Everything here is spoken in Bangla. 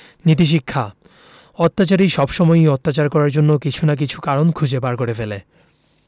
নীতিশিক্ষাঃ অত্যাচারী সবসময়ই অত্যাচার করার জন্য কিছু না কিছু কারণ খুঁজে বার করে ফেলে